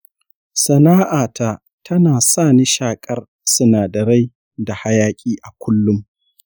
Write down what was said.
sana'ata tana sa ni shakar sinadarai da hayaki a kullum.